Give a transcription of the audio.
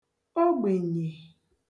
ogbènyè